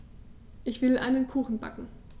Ich will einen Kuchen backen.